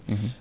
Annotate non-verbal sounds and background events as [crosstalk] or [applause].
[hesitation] [hesitation]